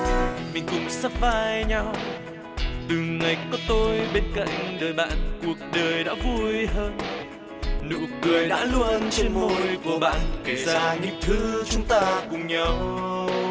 mình cùng sát vai nhau từ ngày có tôi bên cạnh đời bạn cuộc đời đã vui hơn nụ cười đã luôn trên môi của bạn kể ra những thứ chúng ta cùng nhau